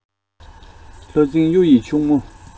ལྷ རྫིང གཡུ ཡི ཕྱུག མོ